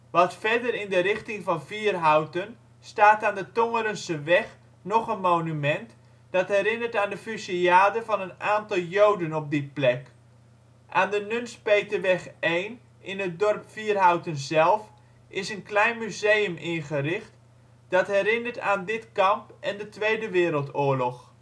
Wat verder in de richting van Vierhouten staat aan de Tongerenseweg nog een monument dat herinnert aan de fusillade van een aantal Joden op die plek. Aan de Nunspeterweg 1 in het dorp Vierhouten zelf, is een klein museum ingericht dat herinnert aan dit kamp en de Tweede Wereldoorlog